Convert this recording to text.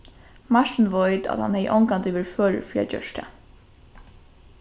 martin veit at hann hevði ongantíð verið førur fyri at gjørt tað